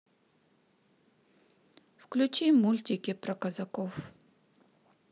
включи мультики про казаков